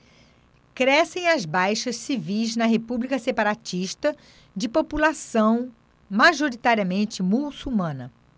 crescem as baixas civis na república separatista de população majoritariamente muçulmana